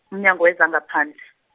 uMnyango wezangaPhandle.